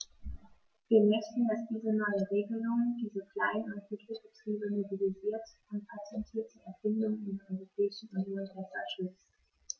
Wir möchten, dass diese neue Regelung diese Klein- und Mittelbetriebe mobilisiert und patentierte Erfindungen in der Europäischen Union besser schützt.